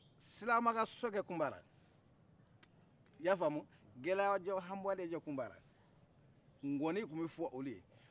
silamaka sokɛ tun bala i y'a famu gɛlajɔ hapɔlejɔ tun bala